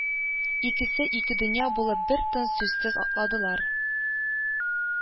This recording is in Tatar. Икесе ике дөнья булып бертын сүзсез атладылар